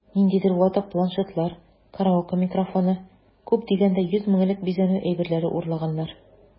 Ниндидер ватык планшетлар, караоке микрофоны(!), күп дигәндә 100 меңлек бизәнү әйберләре урлаганнар...